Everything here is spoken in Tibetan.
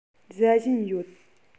ཟ བཞིན ཡོད